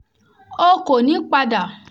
O kò ní padà!'